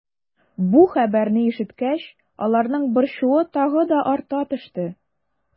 Бу хәбәрне ишеткәч, аларның борчуы тагы да арта төште.